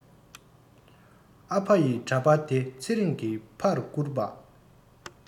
ཨ ཕ ཡི འདྲ པར དེ ཚེ རིང གི ཕར བསྐུར པ